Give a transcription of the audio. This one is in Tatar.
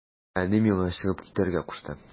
Әни миңа чыгып китәргә кушты.